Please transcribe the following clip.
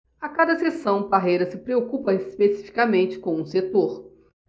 a cada sessão parreira se preocupa especificamente com um setor